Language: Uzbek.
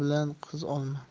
bilan qiz olma